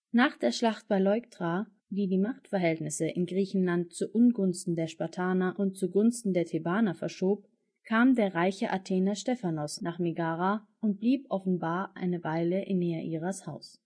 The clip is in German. Nach der Schlacht bei Leuktra, die die Machtverhältnisse in Griechenland zu Ungunsten der Spartaner und zu Gunsten der Thebaner verschob, kam der reiche Athener Stephanos nach Megara und blieb offenbar eine Weile in Neairas Haus